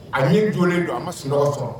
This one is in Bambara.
A min jɔlen don an ma sunɔgɔ fɔ